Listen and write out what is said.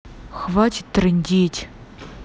хватит трындеть